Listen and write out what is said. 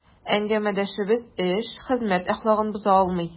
Әңгәмәдәшебез эш, хезмәт әхлагын боза алмый.